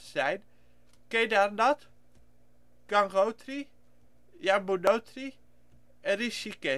zijn: Kedarnath, Gangotri, Yamunotri, en Rishikesh. Een